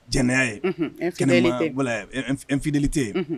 Jɛnɛya ye kɛnɛya nfitirili tɛ yen